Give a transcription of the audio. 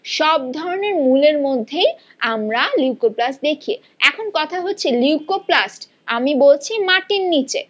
সব ধরনের মূল এর মধ্যেই আমরা লিউকোপ্লাস্ট দেখি এখন কথা হচ্ছে লিউকোপ্লাস্ট আমি বলছি মাটির নিচে